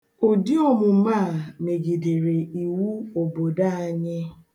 Ụdị omume a megidere iwu obodo anyị.